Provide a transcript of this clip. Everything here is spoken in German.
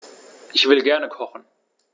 Ich will gerne kochen.